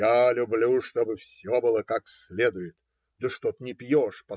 Я люблю, чтобы все было как следует. Да что ты не пьешь?